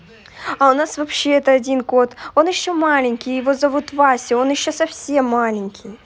а у нас вообще это один кот он еще маленький его зовут вася он еще совсем маленький